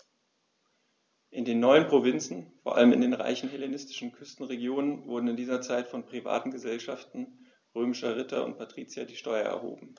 In den neuen Provinzen, vor allem in den reichen hellenistischen Küstenregionen, wurden in dieser Zeit von privaten „Gesellschaften“ römischer Ritter und Patrizier die Steuern erhoben.